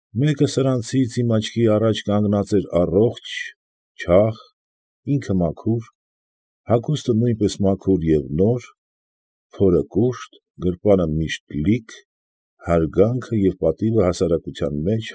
Մեկը սրանցից իմ աչքի առաջ կանգնած էր առողջ, չաղ, ինքը մաքուր, հագուստը նույնպես մաքուր և նոր, փորը կուշտ, գրպանը միշտ լիք, հարգանքը և պատիվը հասարակության մեջ։